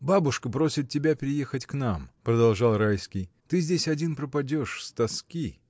— Бабушка просит тебя переехать к нам, — продолжал Райский, — ты здесь один пропадешь с тоски.